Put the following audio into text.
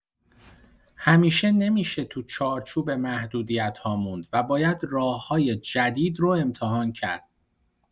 همیشه نمی‌شه تو چارچوب محدودیت‌ها موند و باید راه‌های جدید رو امتحان کرد.